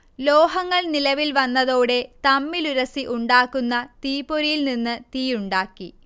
ലോഹങ്ങൾ നിലവിൽ വന്നതോടെ തമ്മിലുരസി ഉണ്ടാക്കുന്ന തീപൊരിയിൽനിന്ന് തീയുണ്ടാക്കി